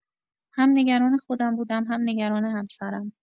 هم نگران خودم بودم هم نگران همسرم